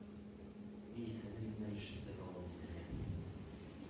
Медицина юнәлешен сайлавын белдергән.